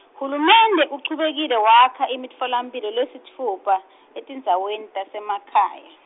hulumende uchubekile wakha imitfolamphilo lesitfupha etindzaweni tasemakhaya.